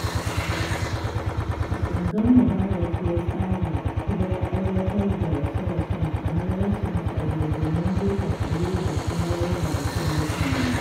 Da gangan Mubarak ya tsara kuma ya aiwatar da rashe-rashen kamar rashin tsaro domin jefa tsaro da kuma rarraba kan mutanen #Jan25.